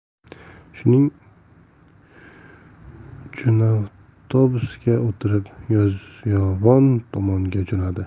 shuning uchunavtobusga o'tirib yozyovon tomonga jo'nadi